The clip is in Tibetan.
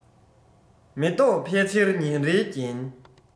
མེ ཏོག ཕལ ཆེར ཉིན རེའི རྒྱན